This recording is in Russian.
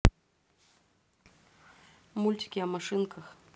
мультики о машинках